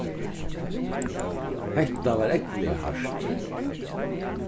hetta var ógvuliga hart